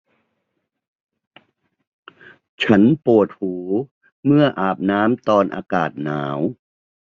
ฉันปวดหูเมื่ออาบน้ำตอนอากาศหนาว